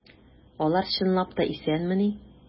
Алар чынлап та исәнмени?